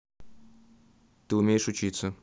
ты умеешь учиться